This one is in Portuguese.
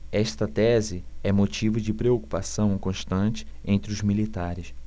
esta tese é motivo de preocupação constante entre os militares